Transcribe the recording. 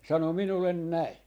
ne sanoi minulle näin